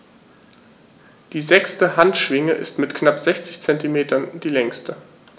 Die sechste Handschwinge ist mit knapp 60 cm die längste.